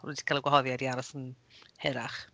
O'n nhw 'di cael y gwahoddiad i aros yn hirach.